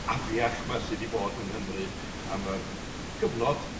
afiach 'ma sy 'di bod yng Nghymru am yr gyfnod